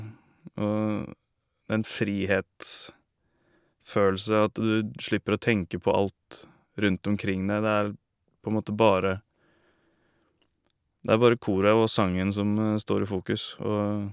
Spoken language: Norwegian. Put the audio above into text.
Og en frihetsfølelse, at du slipper å tenke på alt rundt omrking deg, det er på en måte bare det er bare koret og sangen som står i fokus, og...